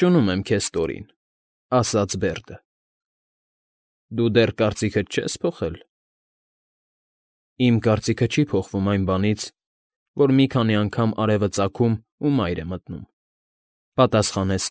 Ողջունում եմ քեզ, Տորին,֊ ասաց Բերդը։֊ Դու դեռ կարծիքդ չե՞ս փոխել։ ֊ Իմ կարծիքը չի փոխվում այն բանից, որ մի քանի անգամ արևը ծագում ու մայր է մտնում,֊ պատասխանեց։